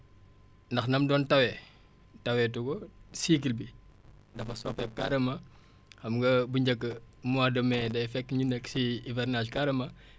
ndax na mu doon tawee taweetu ko cycle bi dafa soppeeku carrément xam nga bu njëkk mois de mai day fekk ñu nekk si hivernage carrément